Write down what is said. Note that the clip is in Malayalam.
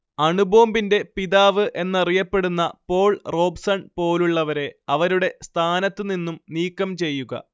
അണുബോംബിന്റെ പിതാവ് എന്നറിയപ്പെടുന്ന പോൾ റോബ്സൺ പോലുള്ളവരെ അവരുടെ സ്ഥാനത്തു നിന്നും നീക്കംചെയ്യുക